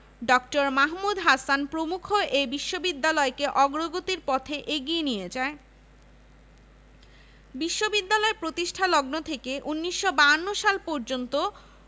মাত্র নয় লক্ষ টাকা বিশ্ববিদ্যালয়কে প্রদান করেন তাঁর যুক্তি ছিল যে ঢাকা বিশ্ববিদ্যালয় প্রচুর সরকারি ইমারত ও বিস্তর জায়গা জমি বাংলা সরকারের কাছ থেকে পেয়েছে